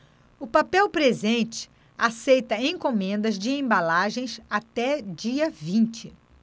a papel presente aceita encomendas de embalagens até dia vinte